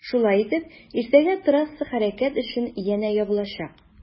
Шулай итеп иртәгә трасса хәрәкәт өчен янә ябылачак.